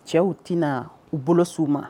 Cɛw tɛna u bolosiw ma